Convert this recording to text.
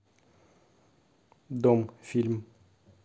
дом фильм